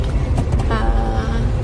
A...